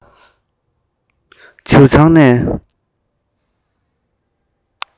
བྱེའུ ཚང ནས